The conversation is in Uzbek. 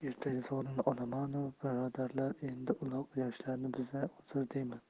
ertaga sovrinni olaman u birodarlar endigi uloq yoshlarniki bizga uzr deyman